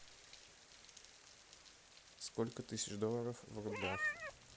сколько тысяча долларов в рублях